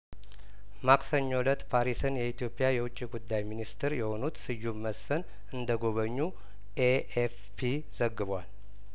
ማክሰኞ እለት ፓሪስን የኢትዮጵያ የውጭ ጉዳይ ሚኒስትር የሆኑት ስዩም መስፍን እንደጐበኙ ኤኤፍፒ ዘግቧል